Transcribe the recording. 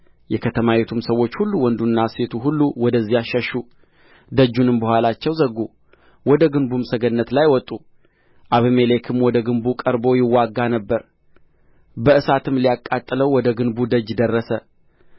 የከተማይቱም ሰዎች ሁሉ ወንዱና ሴቱ ሁሉ ወደዚያ ሸሹ ደጁንም በኋላቸው ዘጉ ወደ ግንቡም ሰገነት ላይ ወጡ አቤሜሌክም ወደ ግንቡ ቀርቦ ይዋጋ ነበር በእሳትም ሊያቃጥለው ወደ ግንቡ ደጅ ደረሰ